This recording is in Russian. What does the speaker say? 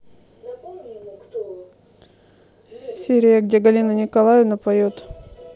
серия где галина николаевна поет